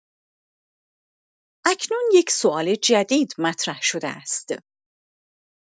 اکنون یک سوال جدید مطرح شده است؛